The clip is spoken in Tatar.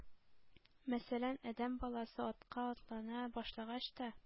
Мәсәлән, адәм баласы атка атлана башлагач та,